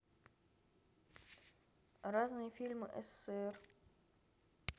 разные фильмы ссср